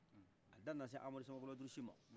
a da nana se amadu samakɔrɔ durusima